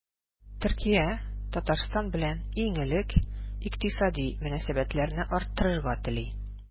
Төркия Татарстан белән иң элек икътисади мөнәсәбәтләрне арттырырга тели.